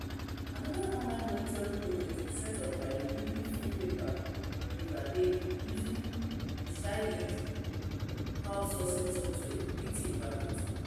Another online monitoring project was set up by the weekly free paper A Verdade, using Ushahidi crowd-sourcing software [pt].